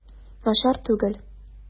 Начар түгел.